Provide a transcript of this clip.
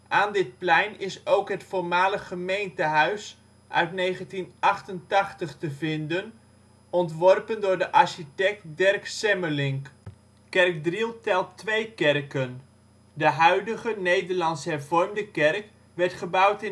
Aan dit plein is ook het voormalig gemeentehuis (1888) te vinden, ontworpen door architect Derk Semmelink. Kerkdriel telt twee kerken. De huidige Nederlands Hervormde kerk werd gebouwd